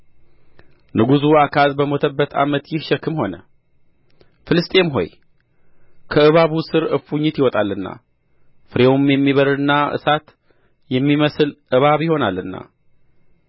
ንጉሡ አካዝ በሞተበት ዓመት ይህ ሸክም ሆነ ፍልስጥኤም ሆይ ከእባቡ ሥር እፉኝት ይወጣልና ፍሬውም የሚበርርና እሳት የሚመስል እባብ ይሆናልና